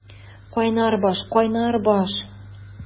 Кайнар баш, кайнар баш!